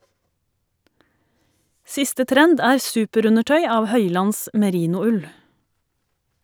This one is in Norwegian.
Siste trend er superundertøy av høylands merino-ull.